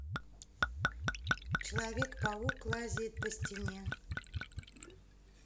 человек паук лазает по стене